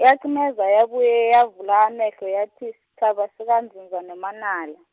yacimeza yabuye yavula amehlo yathi, sitjhaba sikaNdzundza noManala.